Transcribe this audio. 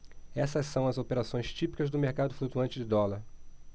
essas são as operações típicas do mercado flutuante de dólar